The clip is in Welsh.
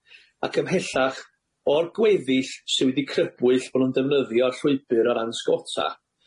Ac ymhellach, o'r gweddill sydd wedi crybwyll bo' nw'n defnyddio'r llwybyr o ran 'sgota,